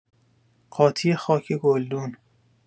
قاطی خاک گلدون